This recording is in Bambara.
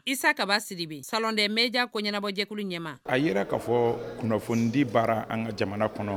Isa ka siribi saden meja kɔ ɲɛnabɔjɛkulu ɲɛmaa a yɛrɛ k'a fɔ kunnafonidi baara an ka jamana kɔnɔ